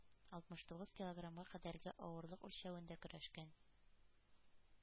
Алмыш тугыз килограммга кадәрге авырлык үлчәвендә көрәшкән.